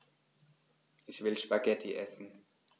Ich will Spaghetti essen.